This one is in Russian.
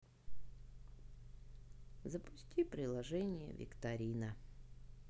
запусти приложение викторина